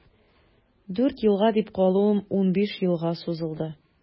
Дүрт елга дип калуым унбиш елга сузылды.